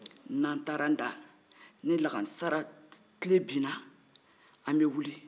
n'an taara an da ni laansarakile binna an bɛ wuli